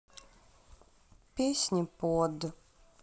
песни под